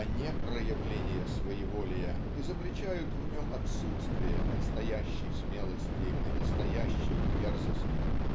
а не проявления своеволия изобличают в нем отсутствие настоящей смелости и настоящей дерзости.